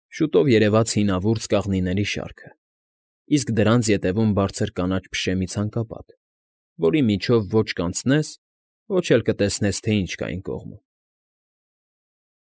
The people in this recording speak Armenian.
Շուտով երևաց հինավուրց կաղնիների շարքը, իսկ դրանց ետևում բարձր կանաչ փշե մի ցանկապատ, որի միջով ոչ կանցնես, ոչ էլ կտեսնես, թե ինչ կա այն կողմում։ ֊